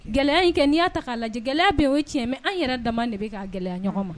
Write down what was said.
Gɛlɛya in kɛ' y'a ta' lajɛ gɛlɛya bɛn o cɛ an yɛrɛ dama de bɛ' gɛlɛya ɲɔgɔn ma